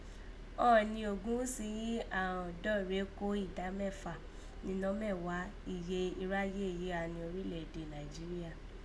Ọ̀ọ̀ni Ògúnwùsì jí àán ọ̀dọ́ rèé kó ìdá mẹ́fà ninọ́ mẹ́wàá iye iráyé yìí gha ni orílẹ̀ èdè Nàìjíríà